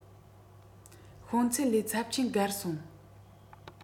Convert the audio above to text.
ཤོང ཚད ལས ཚབས ཆེན བརྒལ སོང